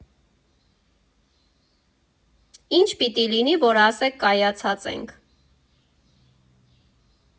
Ի՞նչ պիտի լինի, որ ասեք՝ կայացած ենք։